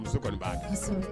Muso kɔnni b'a dɔn; Kosɛbɛ.